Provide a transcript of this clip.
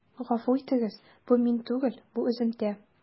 Гафу итегез, бу мин түгел, бу өземтә.